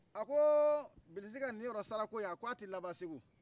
a ko bilisi ka ninyɔrɔsara ko yin a ko a tɛ laban segu